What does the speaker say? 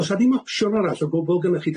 O's a ddim opsiwn arall o gwbl gynnoch chi.